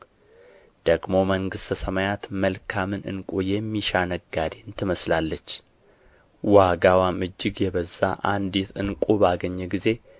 ደግሞ መንግሥተ ሰማያት መልካምን ዕንቁ የሚሻ ነጋዴን ትመስላለች ዋጋዋም እጅግ የበዛ አንዲት ዕንቁ በአገኘ ጊዜ